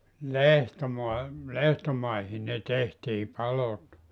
lehtomaa lehtomaihin ne tehtiin palot